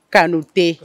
Kanu tɛ